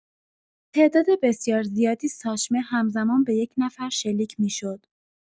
تعداد بسیار زیادی ساچمه همزمان به یک نفر شلیک می‌شد.